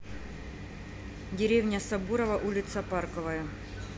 деревня сабурово улица парковая